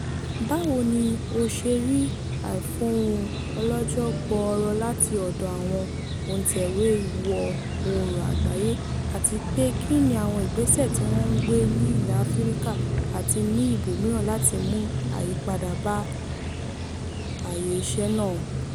Báwo ni o ṣe rí àìfọhùn ọlọ́jọ́ gbọọrọ láti ọ̀dọ̀ àwọn òǹtẹ̀wé Ìwọ̀-oòrùn àgbáyé, àti pé kínni àwọn ìgbésẹ̀ tí wọ́n ń gbé ní ilẹ̀ Áfíríkà àti ní ibòmíràn láti mú àyípadà bá àyè iṣẹ́ náà?